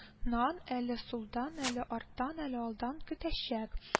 Нан, әле сулдан, әле арттан, әле алдан көтәчәк